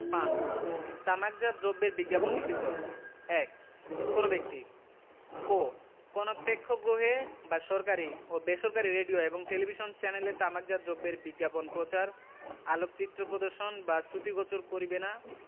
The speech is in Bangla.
৫ তামাকজাত দ্রব্যের বিজ্ঞাপন নিষিদ্ধঃ ১ কোন ব্যক্তিঃ ক কোন প্রেক্ষগ্রহে বা সরকারী ও বেসরকারী রেডিও এবং টেলিভিশন চ্যানেলে তামাকজাত দ্রব্যের বিজ্ঞাপন প্রচার আলোকচিত্র প্রদর্শন বা শ্রুতিগোচর করিবে না